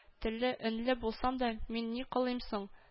Телле, өнле булсам да, мин ни кылыйм соң